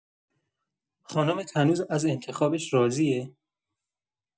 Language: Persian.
خانمت هنوز از انتخابش راضیه؟